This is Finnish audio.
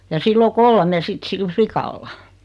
ja sillä on kolme sitten sillä likalla